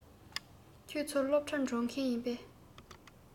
ཁྱེད ཚོ སློབ གྲྭར འགྲོ མཁན ཡིན པས